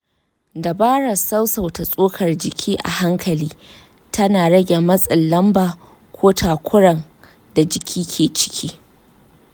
dabarar sassauta tsokar jiki a hankali tana rage matsin lamba ko takuran da jiki ke ciki.